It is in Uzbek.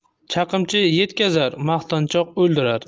chaqimchi yetkazar maqtanchoq o'ldirar